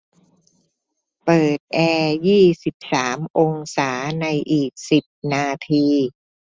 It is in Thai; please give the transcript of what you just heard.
เปิดแอร์ยี่สิบสามองศาในอีกสิบนาที